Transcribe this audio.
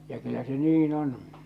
ja kyllä se niin on